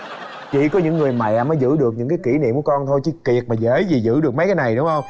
chỉ có những người mẹ mới giữ được những cái kỷ niệm của con thôi chứ kiệt mà dễ gì giữ được mấy cái này đúng không